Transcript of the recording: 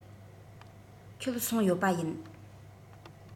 ཁྱོད སོང ཡོད པ ཡིན